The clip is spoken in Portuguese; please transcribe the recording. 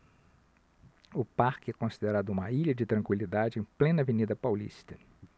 o parque é considerado uma ilha de tranquilidade em plena avenida paulista